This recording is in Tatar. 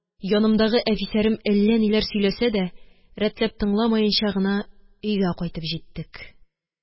Янымдагы әфисәрем әллә ниләр сөйләсә дә, рәтләп тыңламаенча гына өйгә кайтып җиттек.